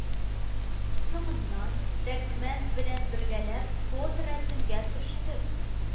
Соңыннан Дәрдемәнд белән бергәләп фоторәсемгә төштек